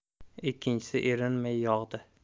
ikkinchisi erinmay yog'di